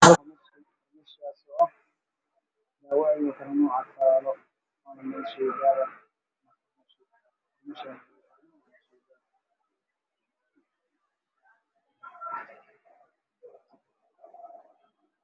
Meshan waa iskifaalo ay saaraan yihiin daawooyin